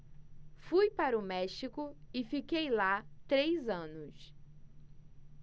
fui para o méxico e fiquei lá três anos